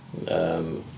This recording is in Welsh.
Yym...